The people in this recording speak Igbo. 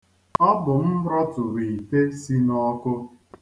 Ọ bụ m rọturu ite si n'ọkụ.